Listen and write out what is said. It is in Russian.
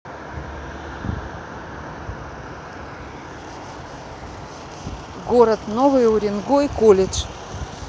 город новый уренгой колледж